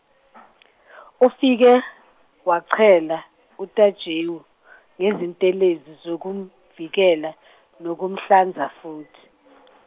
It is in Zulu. ufike, wachela, uTajewo, ngezintelezi zokumvikela, nokumhlanza futhi.